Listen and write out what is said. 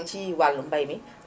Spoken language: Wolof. ci wàllum bay mi